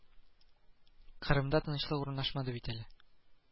Кырымда тынычлык урнашмады бит әле